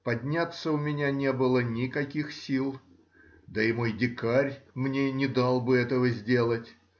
Подняться у меня не было никаких сил, да и мой дикарь мне не дал бы этого сделать.